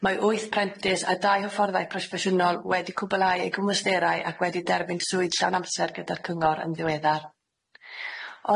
Mae wyth prentys a dau hyfforddai proffeshiynol wedi cwbylau eu cymwysterau ac wedi derbyn swydd llawn amser gyda'r cyngor yn ddiweddar.